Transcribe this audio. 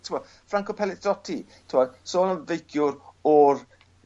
t'wo' Franco Pellizotti t'mo' sôn am feiciwr o'r